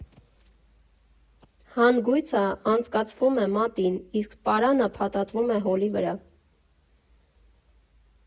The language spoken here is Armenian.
Հանգույցը անցկացվում է մատին, իսկ պարանը փաթաթվում է հոլի վրա։